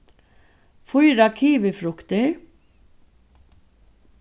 fýra kivifruktir